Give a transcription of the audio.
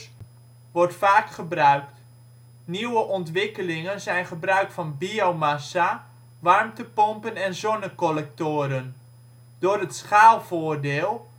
vaak gebruikt. Nieuwe ontwikkelingen zijn gebruik van biomassa, warmtepompen en zonnecollectoren. Door het schaalvoordeel